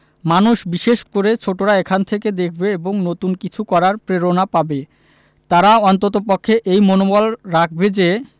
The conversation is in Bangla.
মানুষ বিশেষ করে ছোটরা এখান থেকে দেখবে এবং নতুন কিছু করার প্রেরণা পাবে তারা অন্ততপক্ষে এই মনোবল রাখবে যে